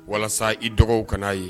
Walasa i dɔgɔw ka na ye.